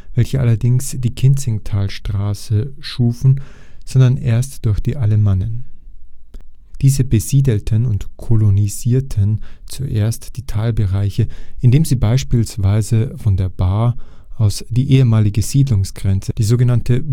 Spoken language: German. welche allerdings die Kinzigtalstraße schufen, sondern erst durch die Alemannen. Diese besiedelten und kolonisierten zuerst die Talbereiche, indem sie beispielsweise von der Baar aus die ehemalige Siedlungsgrenze, die sogenannte